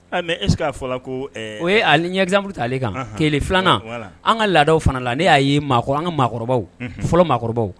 Ko o ale ɲɛ zanuru ta ale kan ke filanan an ka laadaw fana la ne y'a ye maakɔrɔba angakɔrɔba fɔlɔ maakɔrɔba